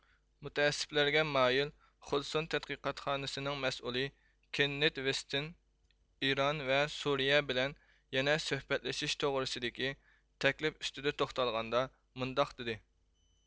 مۇتەئەسسىپلەرگە مايىل خودسۇن تەتقىقاتخانىسىنىڭ مەسئۇلى كېننېت ۋېستېن ئىران ۋە سۇرىيە بىلەن يەنە سۆھبەتلىشىش توغرىسىدىكى تەكلىپ ئۈستىدە توختالغاندا مۇنداق دېدى